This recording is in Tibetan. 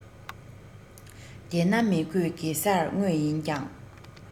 འདན ན མི དགོས གེ སར དངོས ཡིན ཀྱང